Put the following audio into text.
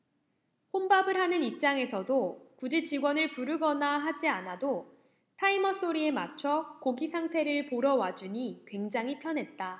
혼밥을 하는 입장에서도 굳이 직원을 부르거나 하지 않아도 타이머 소리에 맞춰 고기 상태를 보러 와주니 굉장히 편했다